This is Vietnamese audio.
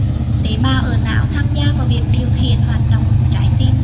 tế bào ở não tham gia vào việc điều khiển hoạt động của trái tim